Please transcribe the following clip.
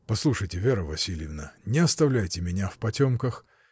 — Послушайте, Вера Васильевна, не оставляйте меня в потемках.